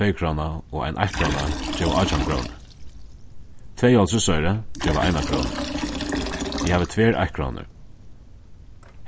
tveykróna og ein eittkróna geva átjan krónur tvey hálvtrýss oyru geva eina krónu eg havi tvær eittkrónur